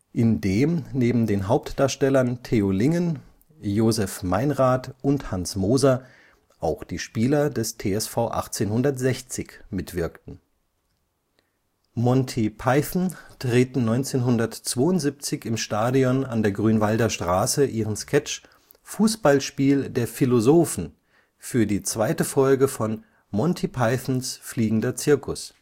in dem neben den Hauptdarstellern Theo Lingen, Josef Meinrad und Hans Moser auch die Spieler des TSV 1860 mitwirkten. Monty Python drehten 1972 im Stadion an der Grünwalder Straße ihren Sketch „ Fußballspiel der Philosophen “für die zweite Folge von Monty Pythons fliegender Zirkus